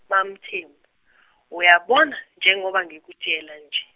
MaMthembu , uyabona njengoba ngikutshela nje.